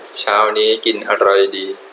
เช้านี้กินอะไรดี